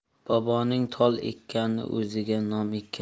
boboning tol ekkani o'ziga nom ekkani